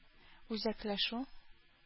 Үзәкләшү